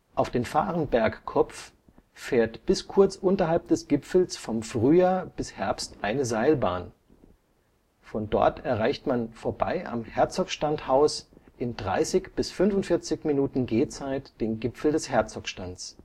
Auf den Fahrenbergkopf fährt bis kurz unterhalb des Gipfels vom Frühjahr bis Herbst eine Seilbahn (siehe auch: Herzogstandbahn). Von dort erreicht man vorbei am Herzogstandhaus in 30 bis 45 Minuten Gehzeit den Gipfel des Herzogstands